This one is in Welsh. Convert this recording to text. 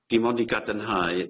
dim ond i gadarnhau